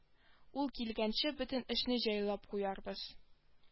Ул килгәнче бөтен эшне җайлап куярбыз